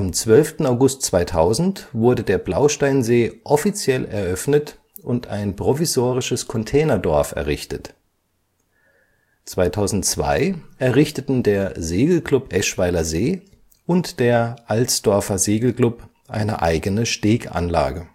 12. August 2000 wurde der Blausteinsee offiziell eröffnet und ein provisorisches Containerdorf errichtet. 2002 errichteten der Segelklub Eschweiler See und der Alsdorfer Segelclub eine eigene Steganlage